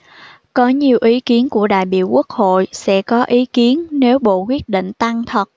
có nhiều ý kiến của đại biểu quốc hội sẽ có ý kiến nếu bộ quyết định tăng thật